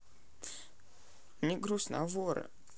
мне грустно аврора